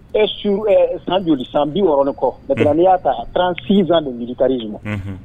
E su san joli san biɔrɔn kɔi y'a ta sinsan nin jiri kariri in na